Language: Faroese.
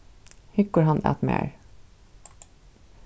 hyggur hann at mær